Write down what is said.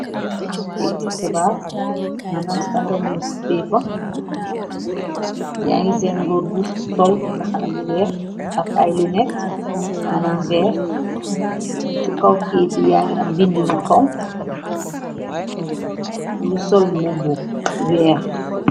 Key ci xebaar, manam standad newspaper, yaa ngi seen goor bu sol mbaxana bu weex, ak ay lunet, manan veer, ci kawkii di yaa ngi am bindi nu xronk, bu sol mu bu weex.